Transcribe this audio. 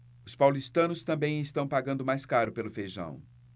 os paulistanos também estão pagando mais caro pelo feijão